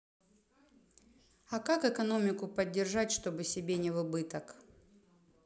а как экономику поддержать чтобы себе не в убыток